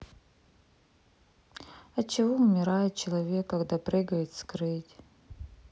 от чего умирает человек когда прыгает скрыть